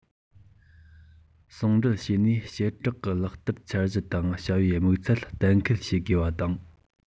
ཟུང འབྲེལ བྱས ནས བྱེ བྲག གི ལག བསྟར འཆར གཞི དང བྱ བའི དམིགས ཚད གཏན ཁེལ བྱེད དགོས པ དང